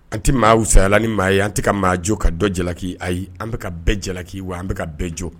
An tɛ maafisaya la ni maa ye, an tɛ ka maa jo ka dɔ jalaki. Ayi, an bɛka ka bɛɛ jalaki wa an bɛ ka bɛɛ jɔ.